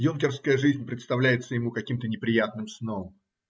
Юнкерская жизнь представляется ему каким-то неприятным сном.